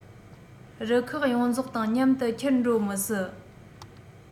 རུ ཁག ཡོངས རྫོགས དང མཉམ དུ འཁྱེར འགྲོ མི སྲིད